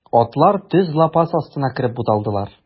Атлар төз лапас астына кереп буталдылар.